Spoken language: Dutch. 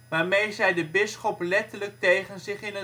waarmee zij de bisschop letterlijk tegen zich in